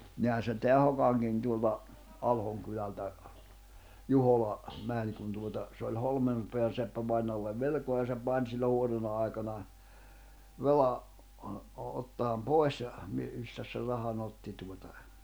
niinhän se tämä Hokankin tuolla Alhon kylältä Juhola meni kun tuota se oli - Holmanpään seppävainajalle velkaa ja se pani silloin huonona aikana -- ottamaan pois ja - mistäs sen rahan otti tuota